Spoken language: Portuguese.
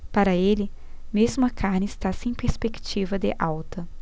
para ele mesmo a carne está sem perspectiva de alta